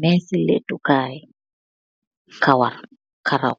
Mehss lehtu kai karaww,